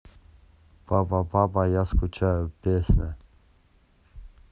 папа папа я скучаю песня